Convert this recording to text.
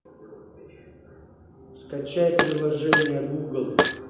скачай приложение google